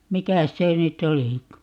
mikäs se nyt olikaan